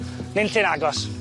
Ninlle'n agos.